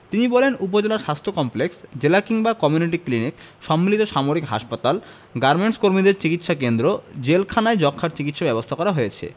তিনি বলেন উপজেলা স্বাস্থ্য কমপ্লেক্স জেলা কিংবা কমিউনিটি ক্লিনিক সম্মিলিত সামরিক হাসপাতাল গার্মেন্টকর্মীদের চিকিৎসাকেন্দ্র জেলখানায় যক্ষ্মার চিকিৎসা ব্যবস্থা করা হয়েছে